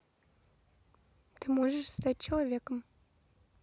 ты можешь стать человеком